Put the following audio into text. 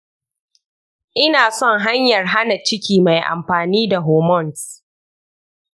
ina son hanyar hana ciki mai amfani da hormones.